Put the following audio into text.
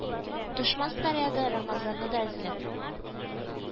Дошман снаряды рамазанны да эзләп